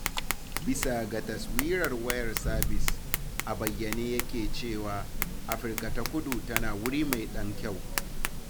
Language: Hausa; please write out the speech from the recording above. Bisa ga taswirar wayar sabis, a bayyane yake cewa, Afirka ta Kudu tana wuri mai ɗan kyau.